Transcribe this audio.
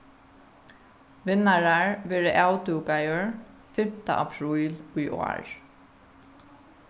vinnarar verða avdúkaðir fimta apríl í ár